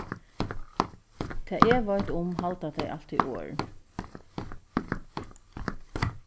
tað eg veit um halda tey altíð orð